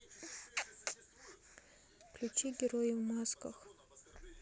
включи герои в масках